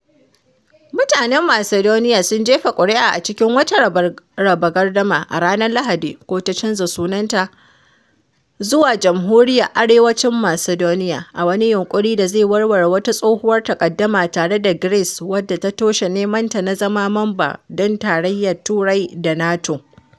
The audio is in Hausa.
Mutanen Macedonia sun jefa kuri’a a cikin wata raba gardama a ranar Lahadi ko ta canza sunanta zuwa “Jamhuriyyar Arewacin Macedonia,” a wani yinƙuri da zai warware wata tsohuwar taƙaddama tare da Greece wadda ta toshe nemanta na zama mamba don Tarayyar Turai da NATO.